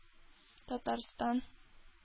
Татарстан